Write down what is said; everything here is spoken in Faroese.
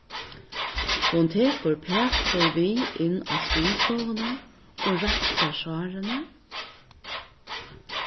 hon tekur pætur við inn á skrivstovuna og reinsar sárini